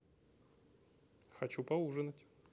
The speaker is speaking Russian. хочу поужинать